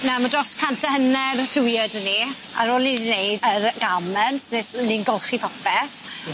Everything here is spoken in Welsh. Na ma' dros cant a hanna'r lliwie 'dyn ni ar ôl i ni neud yr garments nes- 'yn ni'n golchi popeth. Ie.